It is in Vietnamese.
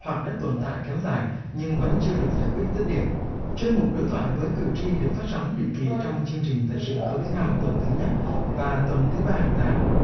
hoặc đã tồn tại kéo dài nhưng vẫn chưa được giải quyết dứt điểm chuyên mục đối thoại với cử tri được phát sóng định kỳ trong chương trình thời sự tối thứ năm tuần thứ nhất và tuần thứ ba hàng tháng